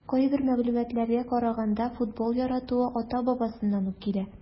Кайбер мәгълүматларга караганда, футбол яратуы ата-бабасыннан ук килә.